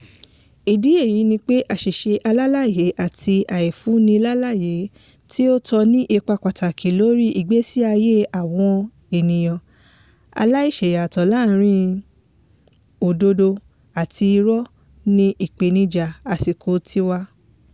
Ìdí èyí ni pé àṣìṣe àlàyé àti àìfúnnilálàyé tí ó tọ́ ní ipa pataki lórí ìgbésí ayé àwọn ènìyàn; àìlèṣèyàtọ̀ láàárín òdodo àti irọ́ ni ìpèníjà àsìkò tiwa.